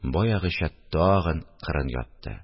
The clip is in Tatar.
Баягыча тагын кырын ятты